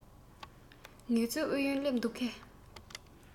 ངལ རྩོལ ཨུ ཡོན སླེབས འདུག གས